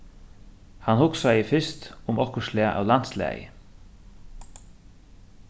hann hugsaði fyrst um okkurt slag av landslagi